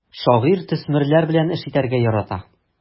Шагыйрь төсмерләр белән эш итәргә ярата.